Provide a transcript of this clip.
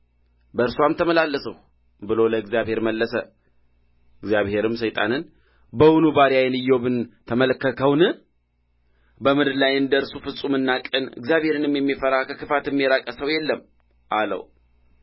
በእርስዋም ተመላለስሁ ብሎ ለእግዚአብሔር መለሰ እግዚአብሔርም ሰይጣንን በውኑ ባሪያዬን ኢዮብን ተመለከትኸውን በምድር ላይ እንደ እርሱ ፍጹምና ቅን እግዚአብሔርንም የሚፈራ ከክፋትም የራቀ ሰው የለም አለው